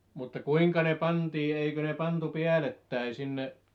mutta kuinka ne pantiin eikö ne pantu päällekkäin sinne